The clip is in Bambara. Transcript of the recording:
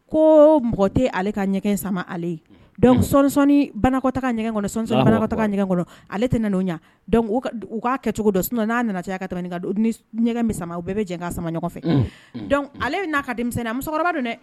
Ko mɔgɔ tɛ ale ka ɲɛgɛn sama ale yec sɔsɔn banakɔtaa ɲɛgɛn sɔtaa ɲɛgɛn kɔnɔ ale tɛ ɲɛ u k'a kɛcogo don sun n'a nana caya ka ni ɲɛgɛn sama u bɛɛ bɛ jan samama fɛ ale n'a ka denmisɛnnin a musokɔrɔba don dɛ